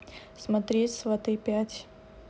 смотреть сваты пять